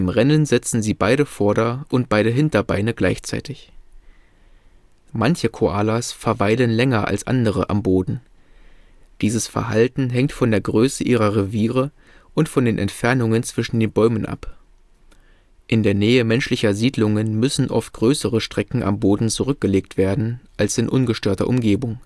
Rennen setzen sie beide Vorder - und beide Hinterbeine gleichzeitig. Manche Koalas verweilen länger als andere am Boden. Dieses Verhalten hängt von der Größe ihrer Reviere und von den Entfernungen zwischen den Bäumen ab. In der Nähe menschlicher Siedlungen müssen oft größere Strecken am Boden zurückgelegt werden als in ungestörter Umgebung